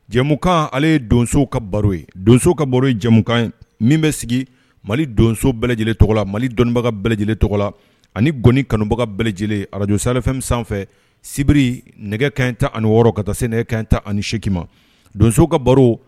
Jɛmukan ale ye donso ka baro ye donso ka baro ye jɛmukan ye min bɛ sigi mali donso bɛɛ lajɛlen tɔgɔ la mali dɔnniibaga bɛɛ lajɛlenele tɔgɔla ani gɔni kanubaga bɛɛ lajɛlen arajo safɛn sanfɛ sibiri nɛgɛ kɛ ta ani wɔɔrɔ ka taa se nɛgɛ kɛ ta ani seki ma donso ka baro